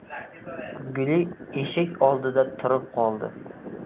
guli eshik oldida turib qoldi